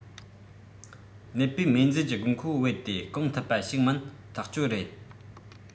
ནད པའི སྨན རྫས ཀྱི དགོས མཁོ རྦད དེ སྐོང ཐུབ པ ཞིག མིན ཐག ཆོད རེད